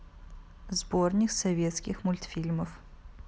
сборник советских мультфильмов